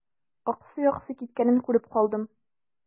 Аксый-аксый киткәнен күреп калдым.